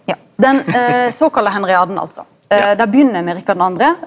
ja den såkalla Henriaden altså det begynner med Rikard den andre.